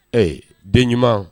Ee den ɲuman